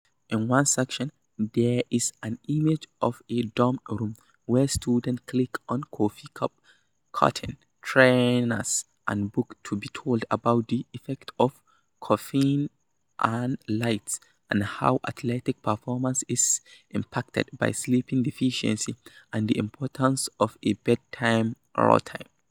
In one section there is an image of a dorm room, where students click on coffee cups, curtains, trainers and books to be told about the effects of caffeine and light and how athletic performance is impacted by sleep deficiency, and the importance of a bedtime routine.